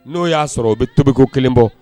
N'o y'a sɔrɔ o bɛ tobiko kelen bɔ